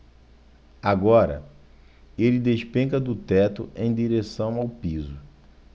agora ele despenca do teto em direção ao piso